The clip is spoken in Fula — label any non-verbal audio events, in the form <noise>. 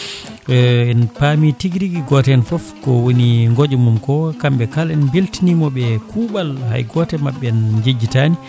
<hesitation> en paami tigui rigui goto hen foof ko woni gooƴa mum ko kamɓe kala en beltinimoɓe e kuuɓal hay goto e mabɓe en jejjitani